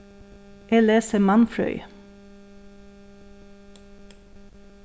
eg lesi mannfrøði